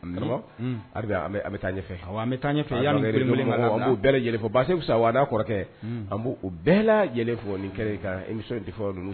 Bɛ taa bɛ b' sa kɔrɔkɛ b' bɛɛ fo ni kɛra